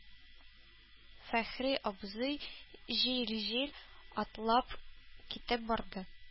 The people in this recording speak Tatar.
Фәхри абзый җил-җил атлап китеп барды.